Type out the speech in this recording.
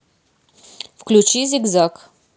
включи зигзаг